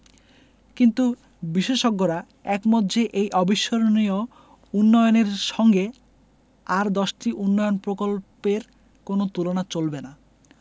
কিন্তু বিশেষজ্ঞরা একমত যে এই অবিস্মরণীয় উন্নয়নের সঙ্গে আর দশটি উন্নয়ন প্রকল্পের কোনো তুলনা চলবে না